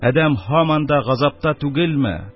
Адәм һаман да газапта түгелме?